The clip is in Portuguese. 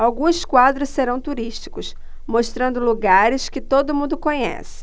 alguns quadros serão turísticos mostrando lugares que todo mundo conhece